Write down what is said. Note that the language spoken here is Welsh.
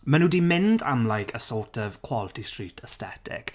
Ma' nhw 'di mynd am like a sort of quality street aesthetic.